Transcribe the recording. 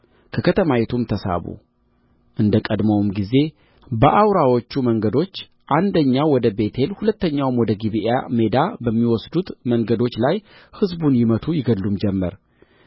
ከከተማይቱም ተሳቡ እንደ ቀድሞውም ጊዜ በአውራዎቹ መንገዶች አንደኛው ወደ ቤቴል ሁለተኛውም ወደ ጊብዓ ሜዳ በሚወስዱት መንገዶች ላይ ሕዝቡን ይመቱ ይገድሉም ጀመር